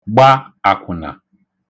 gba àkwụ̀nà